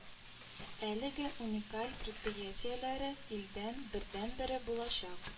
Әлеге уникаль предприятиеләре илдән бердәнбере булачак